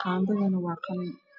qaandadana waa qalin